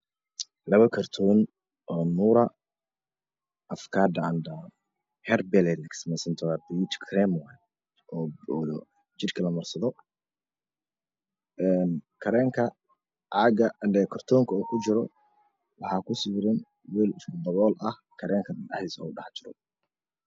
Mashan waa yalo mis kalar kisi waa cagar waxaa saran labo karton kalar kode waa seytuun iyo cagar